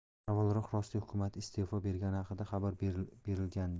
avvalroq rossiya hukumati iste'fo bergani haqida xabar berilgandi